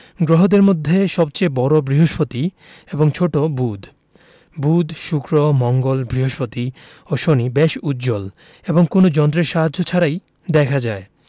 গ্রহদের মধ্যে সবচেয়ে বড় বৃহস্পতি এবং ছোট বুধ বুধ শুক্র মঙ্গল বৃহস্পতি ও শনি বেশ উজ্জ্বল এবং কোনো যন্ত্রের সাহায্য ছাড়াই দেখা যায়